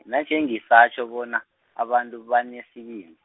nanje ngisatjho bona, abantu banesibindi.